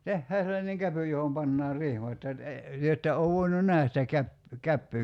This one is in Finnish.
tehdään sellainen käpy johon pannaan rihmat ja - te ette ole voinut nähdä sitä - käpyä